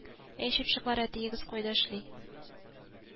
Әй чыпчыклар әтиегез кайда эшли